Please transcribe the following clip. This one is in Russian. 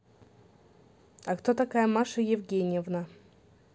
а кто такая маша евгеньевна